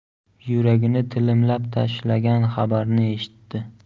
yuragini tilimlab tashlagan xabarni eshitdi